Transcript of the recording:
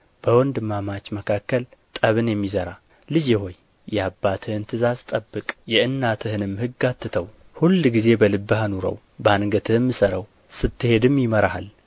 በወንድማማች መካከልም ጠብን የሚዘራ ልጄ ሆይ የአባትህን ትእዛዝ ጠብቅ የእናትህንም ሕግ አትተው ሁልጊዜም በልብህ አኑረው በአንገትህም እሰረው ስትሄድም ይመራሃል